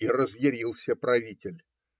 И разъярился правитель